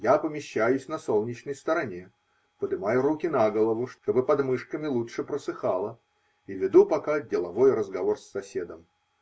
Я помещаюсь на солнечной стороне, подымаю руки на голову, чтобы под мышками лучше просыхало, и веду пока деловой разговор с соседом.